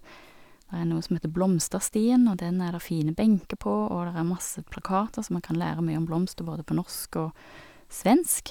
Der er noe som heter blomsterstien, og den er der fine benker på, og der er masse plakater, så man kan lære mye om blomster, både på norsk og svensk.